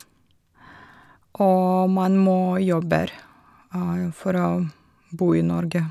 Og man må jobber for å bo i Norge.